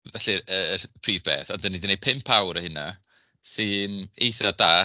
felly'r... y y prif beth, a dan ni 'di wneud pump awr o hynna sy'n eitha da